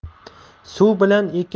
suv bilan ekin